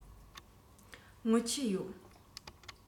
སྔོན ཆད ཡོད